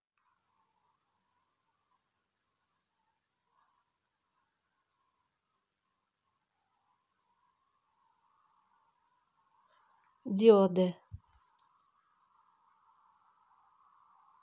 george